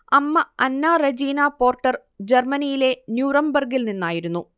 അമ്മ Anna Regina Porter ജർമ്മനിയിലെ ന്യൂറംബർഗ്ഗിൽ നിന്നായിരുന്നു